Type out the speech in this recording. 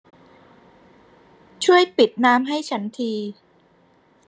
ช่วยปิดน้ำให้ฉันที